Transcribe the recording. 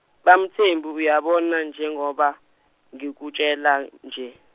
MaMthembu uyabona njengoba ngikutshela nje.